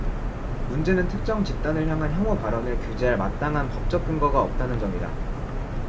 문제는 특정 집단을 향한 혐오발언을 규제할 마땅한 법적 근거가 없다는 점이다